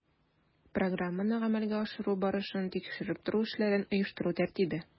Программаны гамәлгә ашыру барышын тикшереп тору эшләрен оештыру тәртибе